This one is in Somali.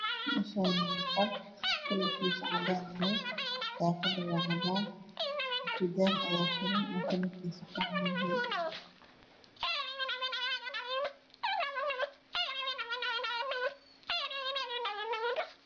Meeshaani waa qol kalarkisa cadaan yahay daqada waa cadaan daaha ayaa suran kalarkisa qaxwi yahay